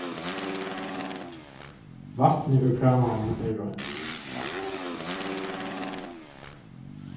vatnið úr krananum er reint